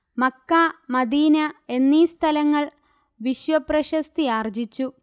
Mecca Medina എന്നീ സ്ഥലങ്ങൾ വിശ്വപ്രശസ്തിയാർജിച്ചു